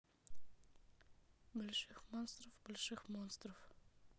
больших монстров больших монстров